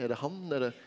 er det han er det?